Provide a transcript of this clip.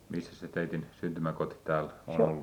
missäs se teidän syntymäkoti täällä on ollut